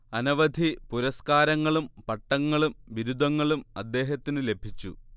അനവധി പുരസ്കാരങ്ങളും പട്ടങ്ങളും ബിരുദങ്ങളും അദ്ദേഹത്തിനു ലഭിച്ചു